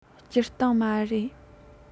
སྤྱིར བཏང མ རེད